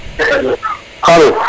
alo